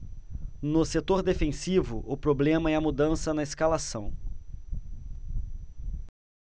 no setor defensivo o problema é a mudança na escalação